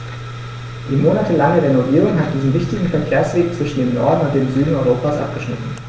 Die monatelange Renovierung hat diesen wichtigen Verkehrsweg zwischen dem Norden und dem Süden Europas abgeschnitten.